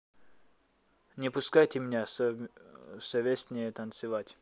не пускайте меня совестнее танцевать